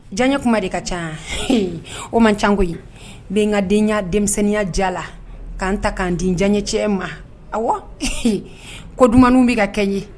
Jan ye kuma de ka ca o man cago n bɛ ka denya denmisɛnninya ja la k'an ta k'an di diyaɲɛ cɛ ma ɔwɔ ko dumuni bɛ ka kɛ ye